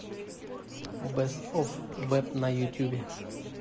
бэст оф веб на ютубе